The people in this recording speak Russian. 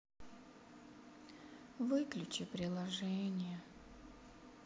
выключи приложение